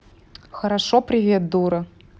хорошо привет дура